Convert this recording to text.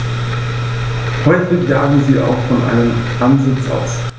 Häufig jagen sie auch von einem Ansitz aus.